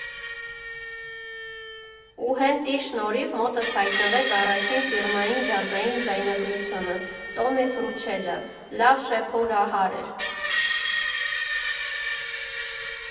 Ու հենց իր շնորհիվ մոտս հայտնվեց առաջին ֆիրմային ջազային ձայնագրությունը՝ Տոմի Ֆրուչելլա, լավ շեփորահար էր։